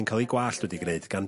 ...yn cal 'i gwallt wedi gneud gan...